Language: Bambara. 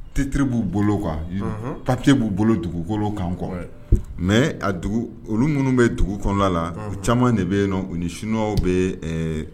Fitiriri b'u bolo kan papike b'u bolo dugukolo kan kɔ mɛ a olu minnu bɛ dugu kɔnɔ la caman de bɛ yen u nisinw bɛ